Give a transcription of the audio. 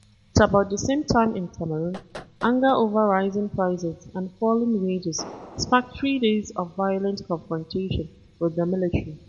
At about the same time in Cameroon, anger over rising prices and falling wages sparked three days of violent confrontation with the military.